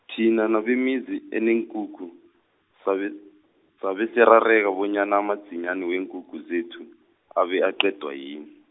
thina nabemizi eneenkukhu, sabe sabe sirareka bonyana amadzinyani weenkukhu zethu, abe aqedwa yini.